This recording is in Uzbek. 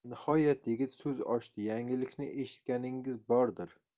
nihoyat yigit so'z ochdi yangilikni eshitganingiz bordir